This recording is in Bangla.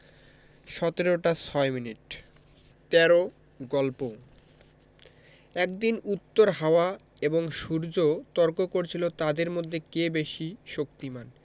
১৭ টা ৬ মিনিট ১৩ গল্প একদিন উত্তর হাওয়া এবং সূর্য তর্ক করছিল তাদের মধ্যে কে বেশি শক্তিমান